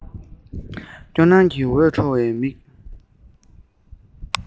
སྐྱོ སྣང གི འོད འཕྲོ བའི མིག